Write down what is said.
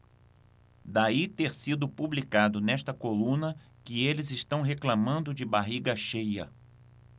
daí ter sido publicado nesta coluna que eles reclamando de barriga cheia